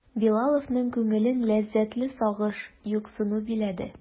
Билаловның күңелен ләззәтле сагыш, юксыну биләде.